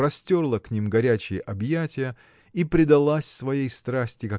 простерла к ним горячие объятия и предалась своей страсти